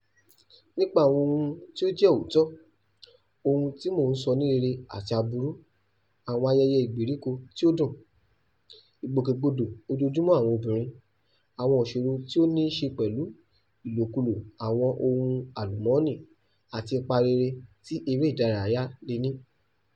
Nípa àwọn ohun tí ó jẹ́ òótọ́, ohun tí mò ń sọ ni rere àti aburú; àwọn ayẹyẹ ìgbèríko tí ó dùn, ìgbòkègbodò ojoojúmọ́ àwọn obìnrin, àwọn ìṣòro tí ó ní ṣe pẹ̀lú ìlòkulò àwọn ohun àlùmọ́ọ́nì, àti ipa rere tí eré ìdárayá lè ní.